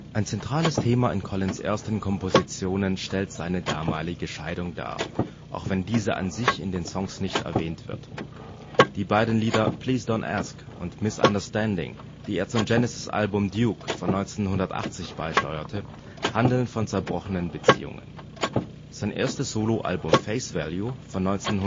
Ein zentrales Thema in Collins ' ersten Kompositionen stellt seine damalige Scheidung dar, auch wenn diese an sich in den Songs nicht erwähnt wird. Die beiden Lieder Please Don't Ask und Misunderstanding, die er zum Genesis-Album Duke (1980) beisteuerte, handeln von zerbrochenen Beziehungen. Sein erstes Soloalbum Face Value (1981